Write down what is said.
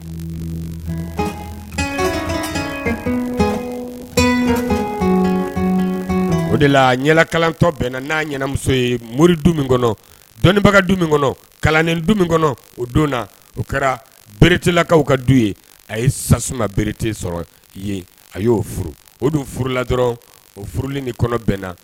O de latɔ bɛn na ɲɛnamuso ye mori du kɔnɔ dɔnnibaga du kɔnɔ kalannen du kɔnɔ o don o kɛra beretelakaw ka du ye a ye sasuma berete sɔrɔ ye a y'o furu o don furu la dɔrɔn o furu ni kɔnɔ bɛna